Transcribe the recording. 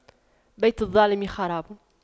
بيت الظالم خراب